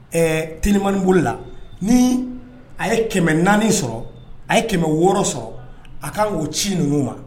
Ɛɛ t nimaniin bolola ni a ye kɛmɛ naani sɔrɔ a ye kɛmɛ wɔɔrɔ sɔrɔ a ka kan' ci ninnu ma